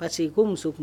Parce que ko muso kun